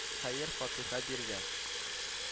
Хәер-фатыйха биргән